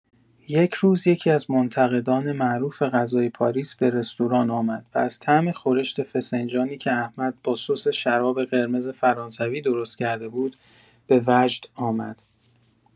یک روز یکی‌از منتقدان معروف غذای پاریس به رستوران آمد و از طعم خورشت فسنجانی که احمد با سس شراب قرمز فرانسوی درست کرده بود، به وجد آمد.